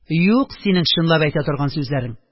Юк синең чынлап әйтә торган сүзләрең